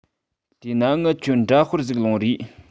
དེས ན ངི ཆོའ འདྲ དཔར ཟིག ལོངས རེས